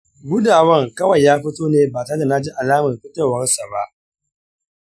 gudawan kawai ya fito ne ba tareda naji alamar fitowarsa ba.